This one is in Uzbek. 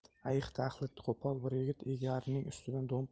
ayiqtaxlit qo'pol bir yigit egarining ustida